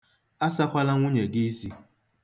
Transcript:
Asakwala nwunye gị isi.